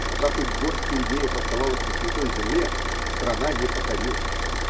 Пока хоть горсть иудеев оставалась на святой земле, страна не покорилась.